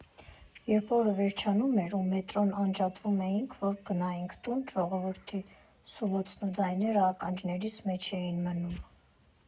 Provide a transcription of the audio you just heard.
Երբ օրը վերջանում էր ու մետրոն անջատում էինք, որ գնայինք տուն, ժողովրդի սուլոցն ու ձայները ականջներիս մեջ էին մնում։